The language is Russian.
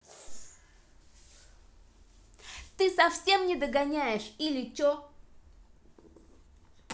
ты совсем не догоняешь или че